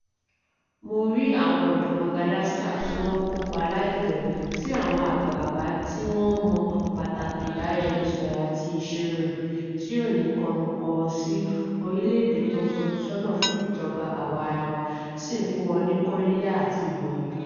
Mo rí àwọn ọ̀dọ́ Madagascar tí wọ́n kópa láì bẹ̀rù, tí àwọn agbààgbà tí wọ́n mọ pátàkì ìbára-ẹni-sọ̀rọ̀ àti iṣèròyìn tí ò ní kọ́nu-kọ́họ sí orílẹ̀ èdè tó ń fojú sọ́nà fún ìjọba àwarawa sì ń fún wọn ní kóríyá àti ímòràn.